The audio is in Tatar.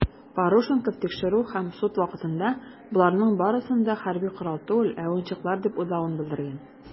Парушенков тикшерү һәм суд вакытында, боларның барысын да хәрби корал түгел, ә уенчыклар дип уйлавын белдергән.